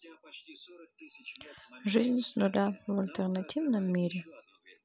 жизнь с нуля в альтернативном мире